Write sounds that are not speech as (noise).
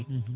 (hesitation) (hesitation)